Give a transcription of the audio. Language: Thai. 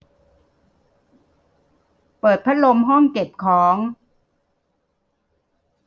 เปิดพัดลมห้องเก็บของ